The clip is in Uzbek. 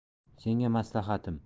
senga maslahatim